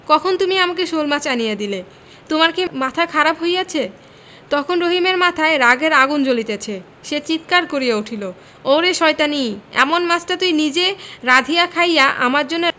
কখন তুমি আমাকে শোলমাছ আনিয়া দিলে তোমার কি মাথা খারাপ হইয়াছে তখন রহিমের মাথায় রাগের আগুন জ্বলিতেছে সে চিৎকার করিয়া উঠিল ওরে শয়তানী এমন মাছটা তুই নিজে রাধিয়া খাইয়া আমার জন্য